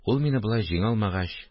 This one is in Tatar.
Ул, мине болай җиңә алмагач